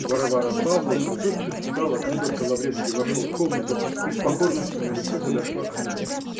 Варвара Павловна тотчас встала, как только Лаврецкий вошел в комнату, и с покорностью на лице подошла к нему.